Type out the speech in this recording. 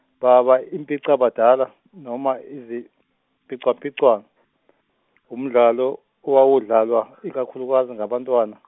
baba impicabadala noma iziphicaphicwano umdlalo owawudlalwa ikakhulukazi ngabantwana .